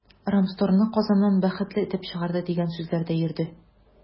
“рамстор”ны казаннан “бәхетле” этеп чыгарды, дигән сүзләр дә йөрде.